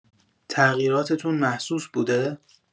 تغییراتتون محسوس بوده؟